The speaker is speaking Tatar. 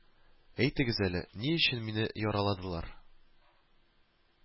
Әйтегез әле, ни өчен мине яраладылар